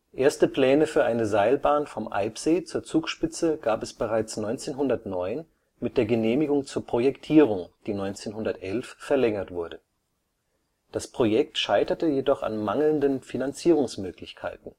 Erste Pläne für eine Seilbahn vom Eibsee zur Zugspitze gab es bereits 1909 mit der Genehmigung zur Projektierung, die 1911 verlängert wurde. Das Projekt scheiterte jedoch an mangelnden Finanzierungsmöglichkeiten